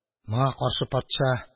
Моңа каршы патша